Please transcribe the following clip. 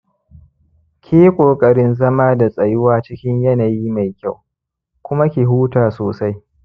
ki yi ƙoƙarin zama da tsayuwa cikin yanayi mai kyau, kuma ki huta sosai.